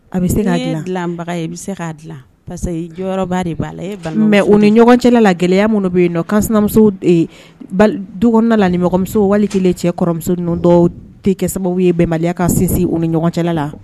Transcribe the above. A bɛ se' dilabaga bɛ se k'a dila parce jɔyɔrɔ de b'a la mɛ o ni ɲɔgɔn cɛlala la gɛlɛya minnu bɛ yen kamuso dɔgɔn la nimɔgɔmusow wali kelen cɛmuso ninnu dɔw tɛ kɛ sababu ye bɛnbaliya ka sinsin u ni ɲɔgɔncɛ la